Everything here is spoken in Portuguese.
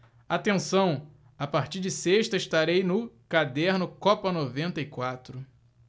atenção a partir de sexta estarei no caderno copa noventa e quatro